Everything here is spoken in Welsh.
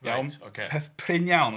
Iawn... Reit ocê... Peth prin iawn.